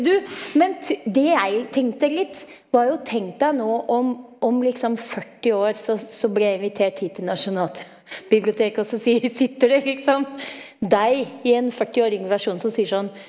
du men det jeg tenkte litt var jo tenk deg nå om om liksom 40 år så så blir jeg invitert hit til Nasjonalbiblioteket også sier vi sitter det liksom deg i en førtiårig versjon som sier sånn.